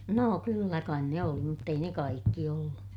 no kyllä kai ne oli mutta ei ne kaikki ollut